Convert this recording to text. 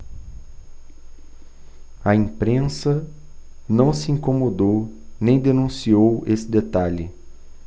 a imprensa não se incomodou nem denunciou esse detalhe